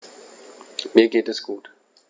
Mir geht es gut.